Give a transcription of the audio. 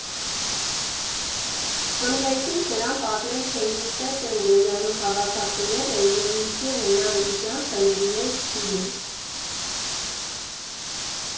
Խնդրեցինք նրան պատմել, թե ինչպես են գոյանում հավաքածուները և ինչու է նա իր կյանքը նվիրել «Սթիլին»։